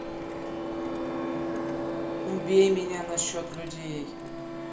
убей меня насчет людей